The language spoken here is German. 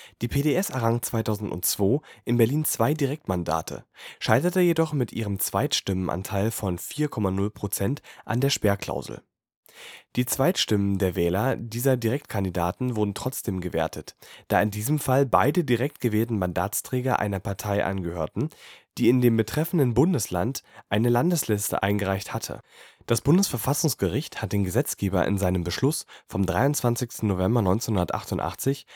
Die PDS errang 2002 in Berlin zwei Direktmandate, scheiterte jedoch mit ihrem Zweitstimmenanteil von 4,0 % an der Sperrklausel. Die Zweitstimmen der Wähler dieser Direktkandidaten wurden trotzdem gewertet, da in diesem Fall beide direkt gewählten Mandatsträger einer Partei angehörten, die in dem betreffenden Bundesland eine Landesliste eingereicht hatte. Das Bundesverfassungsgericht hat den Gesetzgeber in seinem Beschluss vom 23. November 1988